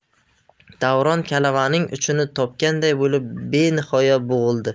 davron kalavaning uchini topganday bo'lib benihoya bo'g'ildi